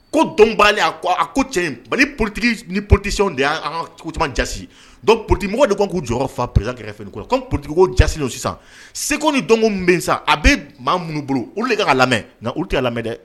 Ko dɔn' a a ko cɛ politigi ni politesiyw de y'a caman ja politigimɔgɔ de k'u jɔ fa perez kɛrɛfɛfɛ ko politigiko ja sisan segu ni donko bɛ sa a bɛ maa minnu bolo olu de ka lamɛn u tɛ a lamɛn dɛ